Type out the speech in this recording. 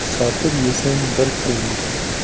sotib yesang bir kunlik